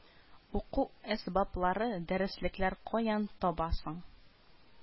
Уку әсбаплары, дәреслекләр каян табасың